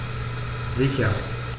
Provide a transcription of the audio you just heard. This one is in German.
Sicher.